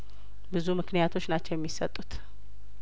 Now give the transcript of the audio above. ብዙ ምክንያቶች ናቸው የሚሰጡት